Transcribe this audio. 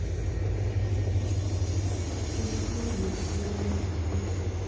стихи есенина